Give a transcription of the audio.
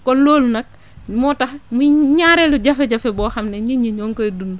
kon loolu nag moo tax muy ñaareelu jafe-jafe boo xam ne nit ñi ñoo ngi koy dund